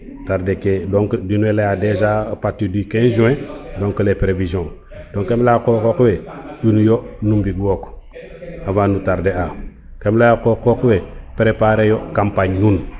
tarde ke donc in wey leya dejas a partir du 15 juin donc les prevision donc kam leya qoxox we inuyo nu mbig wook avant nu tarde a kem leya qoqox we preparer yo campagne nuun